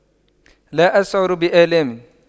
لا أشعر بآلام